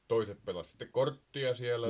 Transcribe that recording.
toiset pelasi sitten korttia siellä ja